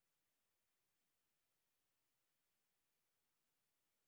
о чем например